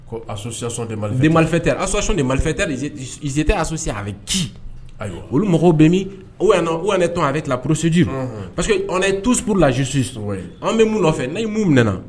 Ko a marifafɛ tɛ azsɔ de marifaete asɔse a bɛ ji ayiwa olu mɔgɔw bɛ min o u ne tɔn a bɛ tila porosiji pa que tuuru lasi an bɛ mun fɛ n'a ye mun minɛɛna